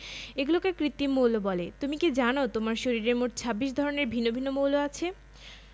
এগুলোকে কৃত্রিম মৌল বলে তুমি কি জানো তোমার শরীরে মোট ২৬ ধরনের ভিন্ন ভিন্ন মৌল আছে